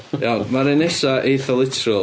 Iawn, ma'r un nesaf eitha literal.